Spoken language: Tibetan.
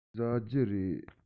ཟ རྒྱུ རེད